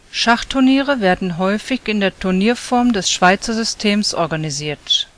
Schachturniere werden häufig in der Turnierform des Schweizer System organisiert